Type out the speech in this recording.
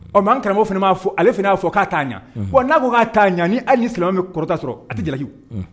Ɔ mais an karamɔgɔ fana ma fɔ, ale fana y'a fɔ k'a t'a ɲɛ. Unhun. bon n'a ko k'a ta ɲɛ hali ni silamɛ min ye kɔrɔta sɔrɔ a tɛ se ka jalaki o. Unhun.